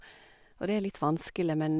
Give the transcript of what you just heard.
Og det er litt vanskelig, men...